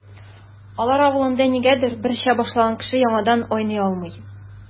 Алар авылында, нигәдер, бер эчә башлаган кеше яңадан айный алмый.